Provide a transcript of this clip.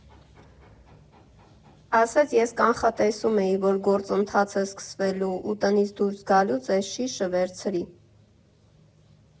Ասեց՝ ես կանխատեսում էի, որ գործընթաց է սկսվելու ու տնից դուրս գալուց էս շիշը վերցրի։